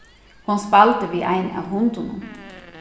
hon spældi við ein av hundunum